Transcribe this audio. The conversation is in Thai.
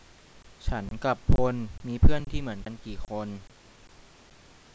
ฉันกับพลมีเพื่อนที่เหมือนกันกี่คน